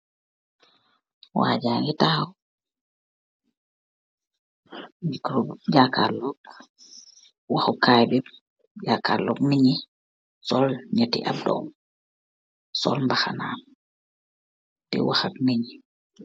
waajaa ngi taxaw, micro jaakaarloop waxu kaay bi jaakaarloop ninñi sool ñeti ab dom, sool mbaxanaam di waxag nin ñi